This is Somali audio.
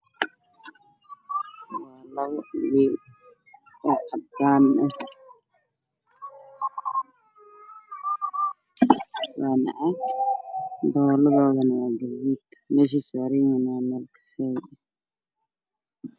Waa laba sakaal midabbadoodu yihiin caddaan furka waa guduud daaha ka dambeeyo waa qaxwi